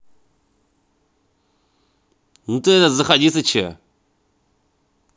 ну ты это заходили сыче